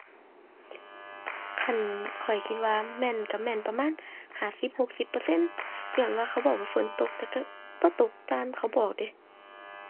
คันข้อยคิดว่าแม่นก็แม่นประมาณห้าสิบหกสิบเปอร์เซ็นต์ ญ้อนว่าเขาบอกว่าฝนตก แต่ก็บ่ตกตามเขาบอกเดะ